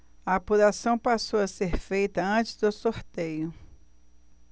a apuração passou a ser feita antes do sorteio